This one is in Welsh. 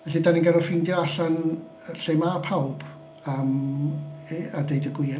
Felly dan ni'n gorfod ffeindio allan yy lle ma' pawb yym yy a deud y gwir.